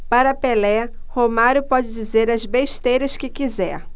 para pelé romário pode dizer as besteiras que quiser